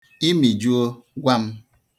Ị mịjuo, gwa m.